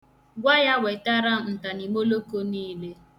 Gwa ya wetara m ntaniimoloko niile